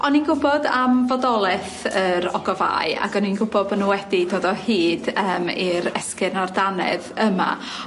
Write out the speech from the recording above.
O'n i'n gwbod am fodoleth yr ogofau ac o'n i'n gwbod bo' nw wedi dod o hyd yym i'r esgyrn a'r dannedd yma